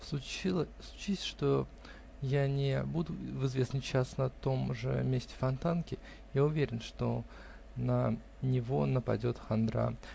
Случись, что я не буду в известный час на том же месте Фонтанки, я уверен, что на него нападет хандра.